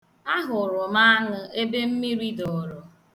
Ahụrụ m aṅụ ebe mmiri dọrọ